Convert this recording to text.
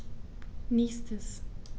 Nächstes.